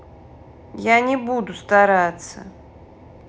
не буду стараться